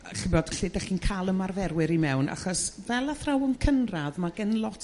Yrr ch'bod lle dech chi'n ca'l ymarferwyr i mewn achos fel athrawon cynradd ma' gen lot